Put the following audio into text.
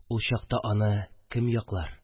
Ул чакта аны кем яклар?!